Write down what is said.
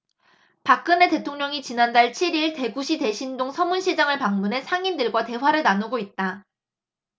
박근혜 대통령이 지난달 칠 일 대구시 대신동 서문시장을 방문해 상인들과 대화를 나누고 있다